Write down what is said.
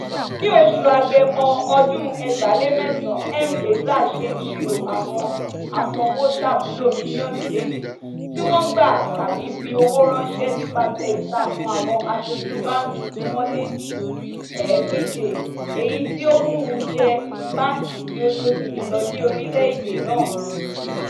Ní oṣù Agẹmọ ọdún 2009 M-Pesa ṣe ìṣirò àwọn aṣanwóṣàmúlò mílíọ̀nù méje, tí wọ́n gbà tàbí fi owó ránṣẹ́ nípasẹ̀ ìtakùn àwọn aṣojú báǹkì tí wọ́n lé ní 1400, èyí tí ó mú u jẹ́ báǹkì tí ó tóbi jùlọ ní orílẹ̀-èdè náà.